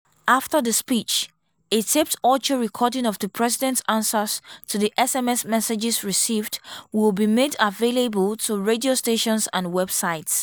After the speech, a taped audio recording of the President’s answers to the SMS messages received will be made available to radio stations and websites.